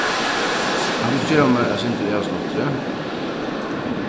kanst tú ikki geva mær eitt sindur í avsláttri